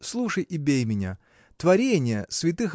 Слушай и бей меня: творения св.